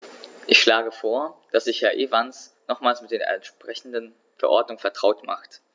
Ich schlage vor, dass sich Herr Evans nochmals mit der entsprechenden Verordnung vertraut macht.